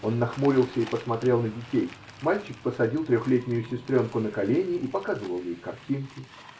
Он нахмурился и посмотрел на детей: мальчик посадил трехлетнюю сестренку на колени и показывал ей картинки.